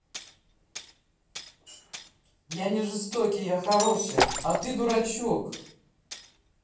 я не жестокий я хороший а ты дурачок